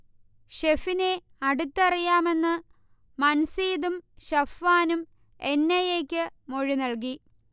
ഷെഫിനെ അടുത്തറിയാമെന്ന് മൻസീദും ഷഫ്വാനും എൻ. ഐ. എ. യ്ക്ക് മൊഴി നൽകി